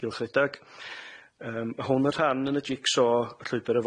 i gylchredag yym ma' hwn yn rhan yn y jig-so Llwybr